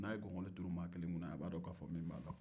n'a ye gɔngɔli turu maa kelen kunna a b'a dɔn k'a fɔ min b'ala